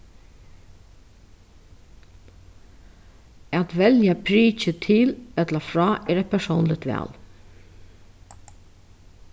at velja prikið til ella frá er eitt persónligt val